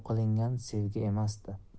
qilingan sevgi emasdi